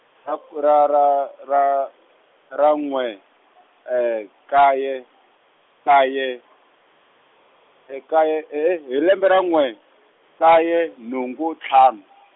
a ku ra ra ra, ra n'we nkaye, nkaye, e nkaye e hi, hi lembe ra n'we, nkaye nhungu ntlhanu .